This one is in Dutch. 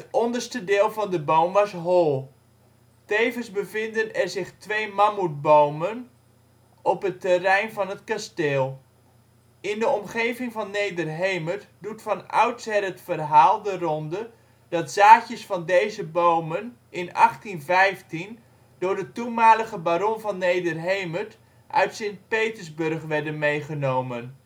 onderste deel van de boom was hol. Tevens bevinden er zich 2 mammoetbomen (lat. Sequoiadendron giganteum) op het terrein van het kasteel. In de omgeving van Nederhemert doet van oudsher het verhaal de ronde dat zaadjes van deze bomen in 1815 door de toenmalige baron van Nederhemert uit St. Petersburg werden meegenomen